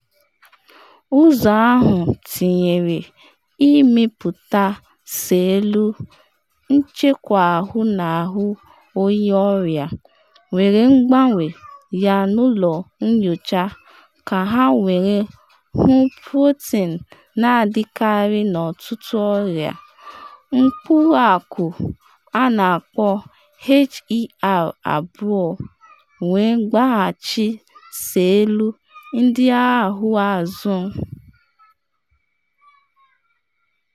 Ụzọ ahụ tinyere ịmịpụta selụ nchekwa ahụ n’ahụ onye ọrịa, were gbanwee ya n’ụlọ nyocha ka ha were ‘hụ’ protin na-adịkarị n’ọtụtụ ọrịa mkpụrụ akụ a na-akpọ HER2, wee gbaghachi selụ ndị ahụ azụ.